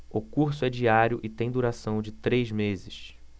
o curso é diário e tem duração de três meses